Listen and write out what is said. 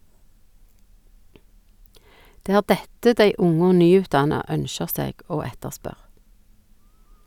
Det er dette dei unge og nyutdanna ønskjer seg og etterspør.